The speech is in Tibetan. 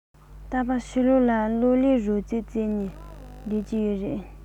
རྟག པར ཕྱི ལོག ལ གློག ཀླད རོལ རྩེད རྩེད ནས སྡོད ཀྱི ཡོད རེད